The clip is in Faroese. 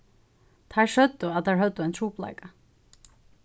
teir søgdu at teir høvdu ein trupulleika